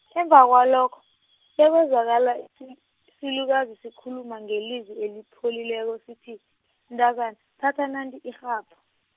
emva kwalokho, sekwezwakala isilukazi sikhuluma ngelizwi elipholileko sithi- mntazana thatha nanti irhaba.